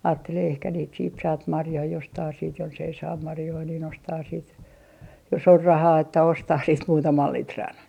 ajattelee ehkä niitä sitten saat marjoja jostakin sitten jos ei saa marjoja niin ostaa sitten jos on rahaa että osta sitten muutaman litran